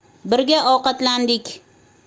birga ovqatlandik